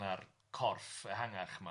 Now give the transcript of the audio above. na'r corff ehangach yma.